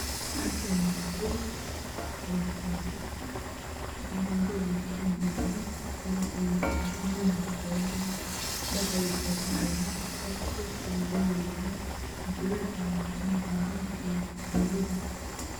Meeshaani waa dhul oo tukaan ah armaajamada waa cadaan iyo buluug gabar ayaa taagan nina wuu taaganyahay dhar ayey goosanayaan mutuleelka waa cadaan iyo madow